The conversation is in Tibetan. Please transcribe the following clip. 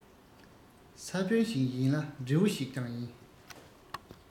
ས བོན ཞིག ཡིན ལ འབྲས བུ ཞིག ཀྱང ཡིན